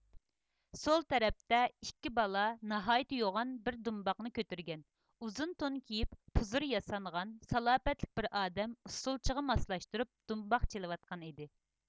سول تەرەپتە ئىككى بالا ناھايىتى يوغان بىر دۇمباقنى كۆتۈرگەن ئۇزۇن تون كىيىپ پۇزۇر ياسانغان سالاپەتلىك بىر ئادەم ئۇسسۇلچىغا ماسلاشتۇرۇپ دۇمباق چېلىۋاتقان ئىدى